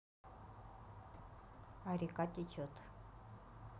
а река течет